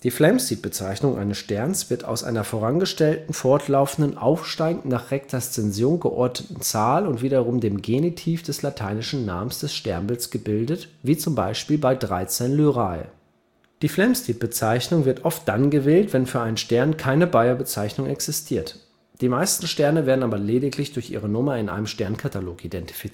Flamsteed-Bezeichnung eines Sterns wird aus einer vorangestellten fortlaufenden, aufsteigend nach Rektaszension geordneten Zahl und wiederum dem Genitiv des lateinischen Namens des Sternbilds gebildet, wie zum Beispiel bei 13 Lyrae. Die Flamsteed-Bezeichnung wird oft dann gewählt, wenn für einen Stern keine Bayer-Bezeichnung existiert. Die meisten Sterne werden aber lediglich durch ihre Nummer in einem Sternkatalog